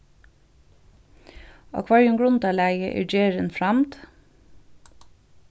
á hvørjum grundarlagi er gerðin framd